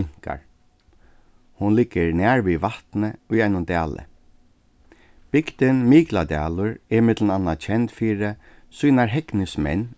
minkar hon liggur nær við vatnið í einum dali bygdin mikladalur er millum annað kend fyri sínar hegnismenn